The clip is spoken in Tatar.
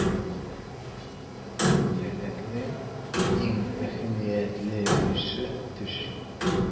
Күзәнәкнең иң әһәмиятле өлеше - төш.